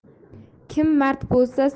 kim mard bo'lsa